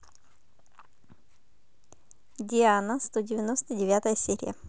диана сто девяносто девятая серия